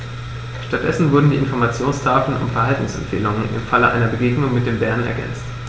Stattdessen wurden die Informationstafeln um Verhaltensempfehlungen im Falle einer Begegnung mit dem Bären ergänzt.